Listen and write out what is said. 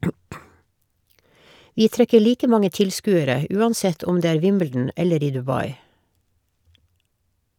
Vi trekker like mange tilskuere uansett om det er Wimbledon eller i Dubai.